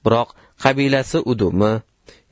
biroq qabilasi udumi